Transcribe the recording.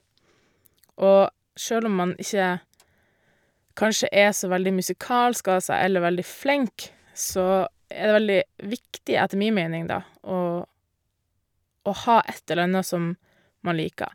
Og sjøl om man ikke kanskje er så veldig musikalsk av seg eller veldig flink, så er det veldig viktig, etter mi meining, da, å å ha et eller anna som man liker.